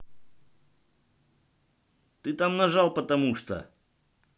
ты там нажал потому что